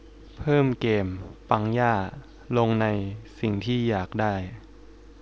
เพิ่มเกมปังย่าลงในสิ่งที่อยากได้